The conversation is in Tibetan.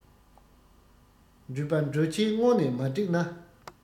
འགྲུལ པ འགྲོ ཆས སྔོན ནས མ བསྒྲིགས ན